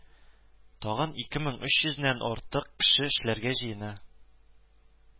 Тагын ике мең өч йөзнән артык кеше эшләргә җыена